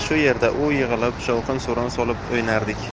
shu yerda yig'ilib shovqin suron solib o'ynardik